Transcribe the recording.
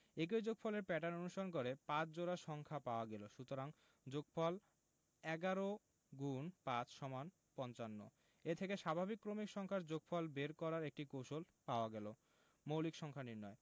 একই যোগফলের প্যাটার্ন অনুসরণ করে ৫ জোড়া সংখ্যা পাওয়া গেল সুতরাং যোগফল ১১*৫=৫৫ এ থেকে স্বাভাবিক ক্রমিক সংখ্যার যোগফল বের করার একটি কৌশল পাওয়া গেল মৌলিক সংখ্যা নির্ণয়